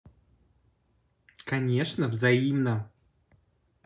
конечно взаимно